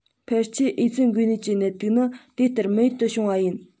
ཕལ ཆེར ཨེ ཙི འགོས ནད ཀྱི ནད དུག ནི དེ ལྟར མི ཡུལ དུ བྱུང བ ཡིན